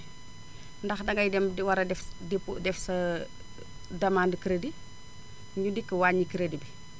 ndax dangay dem di war a def di wut def sa demende crédit ñu dikk wàññi crédit bi